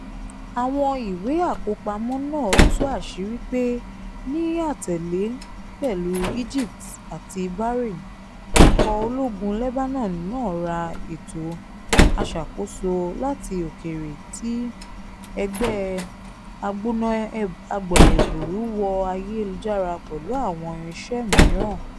Àwọn ìwé àkópamọ́ náà tú àṣírí pé ní àtẹ̀lé pẹ̀lú Egypt àti Bahrain, ikọ̀ Ológun Lebanon náà ra Ètò Aṣàkóso láti Òkèèrè ti Ẹgbẹ́ Agbọ̀nàẹ̀bùrú-wọ-ayélujára, pẹ̀lú àwọn irinṣẹ́ mìíràn.